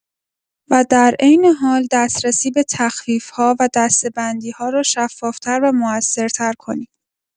و در عین حال، دسترسی به تخفیف‌ها و دسته‌بندی‌ها را شفاف‌تر و مؤثرتر کنیم.